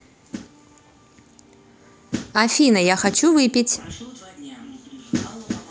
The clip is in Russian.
афина я хочу выпить